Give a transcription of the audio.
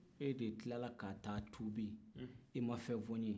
e de tila ka taa tuubi i ma fɛn fɔ ne ye